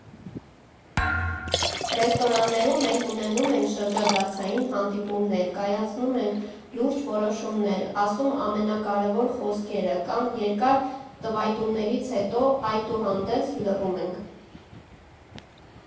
Ռեստորաններում մենք ունենում ենք շրջադարձային հանդիպումներ, կայացնում ենք լուրջ որոշումներ, ասում ամենակարևոր խոսքերը կամ երկար տվայտումներից հետո, այդուհանդերձ, լռում ենք։